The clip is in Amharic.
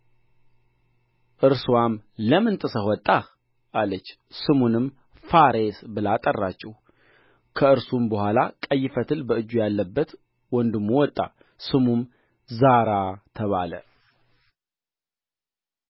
እርስዋም ለምን ጥስህ ወጣህ አለች ስሙንም ፋሬስ ብላ ጠራችው ከእርሱም በኋላ ቀይ ፈትል በእጁ ያለበት ወንድሙ ወጣ ስሙም ዛራ ተባለ